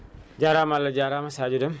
jarama Allah jarama Sadio Déme